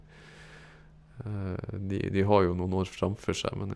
de De har jo noen år framfor seg, men...